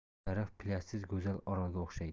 sharaf plyajsiz go'zal orolga o'xshaydi